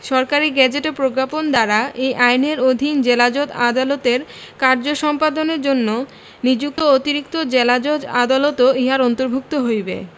সরকারী গেজেটে প্রজ্ঞাপন দ্বারা এই আইনের অধীন জেলাজজ আদালতের কার্য সম্পাদনের জন্য নিযুক্ত অতিরিক্ত জেলাজজ আদালতও ইহার অন্তর্ভুক্ত হইবে